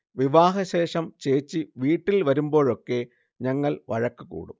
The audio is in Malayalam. വിവാഹശേഷം ചേച്ചി വീട്ടിൽ വരുമ്പോഴൊക്കെ ഞങ്ങൾ വഴക്കുകൂടും